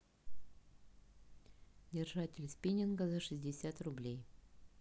держатель спиннинга за шестьдесят рублей